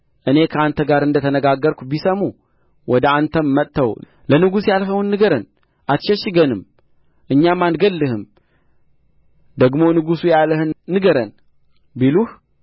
እኔ ከአንተ ጋር እንደ ተነጋገርሁ ቢሰሙ ወደ አንተም መጥተው ለንጉሡ ያልኸውን ንገረን አትሸሽገንም እኛም አንገድልህም ደግሞ ንጉሡ ያለህን ንገረን ቢሉህ